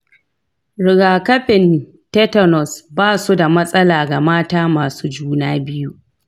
rigakafin tetanus ba su da matsala ga mata masu juna biyu.